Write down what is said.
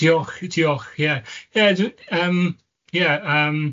Diolch, diolch, ie. Ie dw- yym ie yym.